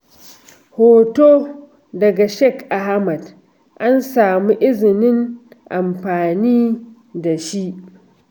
Hoto daga Shakil Ahmed, an samu izinin amfani da shi.